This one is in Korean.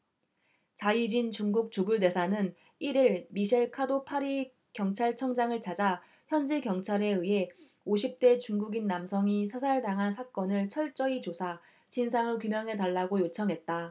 자이쥔 중국 주불대사는 일 일 미셀 카도 파리 경찰청장을 찾아 현지 경찰에 의해 오십 대 중국인 남성이 사살당한 사건을 철저히 조사 진상을 규명해달라고 요청했다